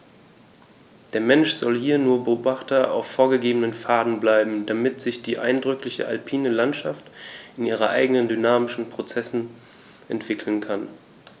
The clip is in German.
Der Mensch soll hier nur Beobachter auf vorgegebenen Pfaden bleiben, damit sich die eindrückliche alpine Landschaft in ihren eigenen dynamischen Prozessen entwickeln kann.